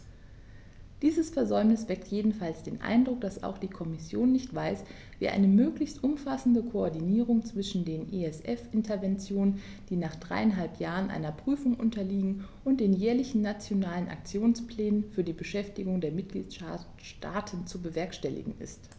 Dieses Versäumnis weckt jedenfalls den Eindruck, dass auch die Kommission nicht weiß, wie eine möglichst umfassende Koordinierung zwischen den ESF-Interventionen, die nach dreieinhalb Jahren einer Prüfung unterliegen, und den jährlichen Nationalen Aktionsplänen für die Beschäftigung der Mitgliedstaaten zu bewerkstelligen ist.